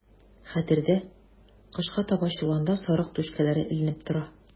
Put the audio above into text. Хәтердә, кышка таба чоланда сарык түшкәләре эленеп тора.